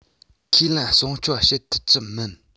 ཁས ལེན སྲུང སྐྱོབ བྱེད ཐུབ ཀྱི མིན